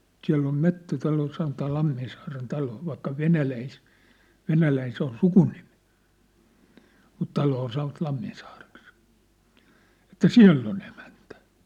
siellä on metsätalo sanotaan Lamminsaaren talo vaikka - Venäläinen se on sukunimi mutta taloa sanovat Lamminsaareksi että siellä on emäntä